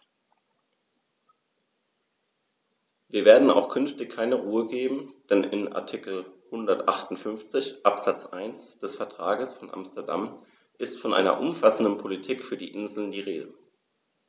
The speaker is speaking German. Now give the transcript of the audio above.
Wir werden auch künftig keine Ruhe geben, denn in Artikel 158 Absatz 1 des Vertrages von Amsterdam ist von einer umfassenden Politik für die Inseln die Rede.